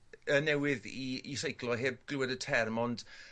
yy newydd i i seiclo heb glwed y term ond